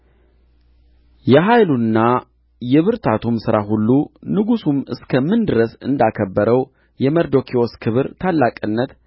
የኃይሉና የብርታቱም ሥራ ሁሉ ንጉሡም እስከ ምን ድረስ እንዳከበረው የመርዶክዮስ ክብር ታላቅነት